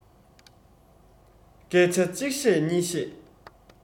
སྐད ཆ གཅིག བཤད གཉིས བཤད